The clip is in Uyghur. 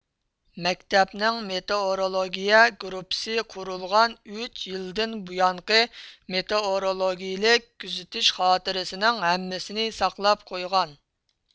مەكتەپنىڭ مېتېئورولوگىيە گۇرۇپپىسى قۇرۇلغان ئۈچ يىلدىن بۇيانقى مېتېئورولوگىيىلىك كۆزىتىش خاتىرىسىنىڭ ھەممىسىنى ساقلاپ قويغان